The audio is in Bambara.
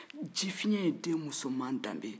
ji fiyɛn ye den musoman danbe ye